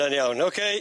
'Ny'n iawn ok.